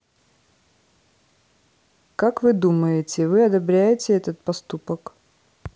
как вы думаете вы одобряете этот поступок